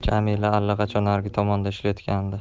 jamila allaqachon narigi tomonda ishlayotgandi